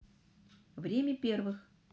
время первых